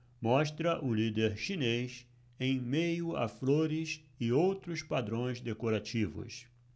mostra o líder chinês em meio a flores e outros padrões decorativos